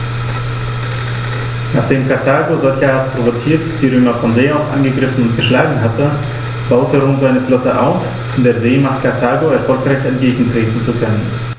Nachdem Karthago, solcherart provoziert, die Römer von See aus angegriffen und geschlagen hatte, baute Rom seine Flotte aus, um der Seemacht Karthago erfolgreich entgegentreten zu können.